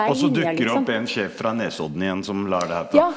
også dukker opp en sjef fra Nesodden igjen som lar det her.